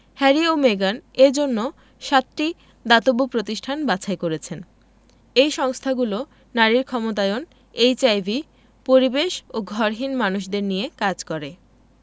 Harry ও মেগান এ জন্য সাতটি দাতব্য প্রতিষ্ঠান বাছাই করেছেন এই সংস্থাগুলো নারীর ক্ষমতায়ন এইচআইভি পরিবেশ ও ঘরহীন মানুষদের নিয়ে কাজ করে